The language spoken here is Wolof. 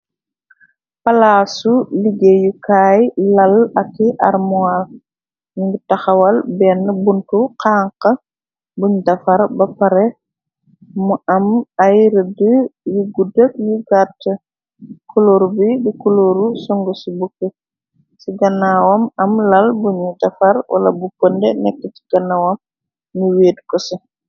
Palaasu liggéeyu kaay lal aki armoil ñu ngi taxawal benn buntu xanx. Buñu dafar ba pare mu am ay rëdd yi guddëk yu gàtt. Kulóor bi bi kulóoru song ci bukke ci ganaawam. Am lal buñu dafar wala bu pënde nekk ci ganawam ñu weet ko ci.